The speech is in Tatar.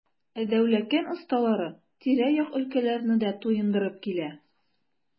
Ә Дәүләкән осталары тирә-як өлкәләрне дә туендырып килә.